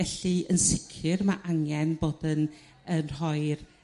Felly yn sicir ma' angen bod yn yn rhoi'r